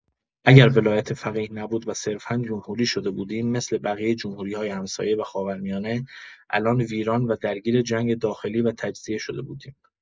اگر ولایت‌فقیه نبود و صرفا جمهوری شده بودیم، مثل بقیه جمهوری‌های همسایه و خاورمیانه، الان ویران و درگیر جنگ داخلی و تجزیه شده بودیم!